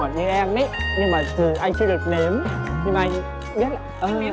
ngọt như em ý nhưng mà anh chưa được nếm nhưng mà anh biết ơ